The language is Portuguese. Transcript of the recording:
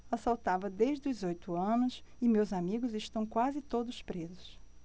assaltava desde os oito anos e meus amigos estão quase todos presos